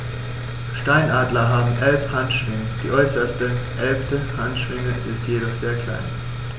Steinadler haben 11 Handschwingen, die äußerste (11.) Handschwinge ist jedoch sehr klein.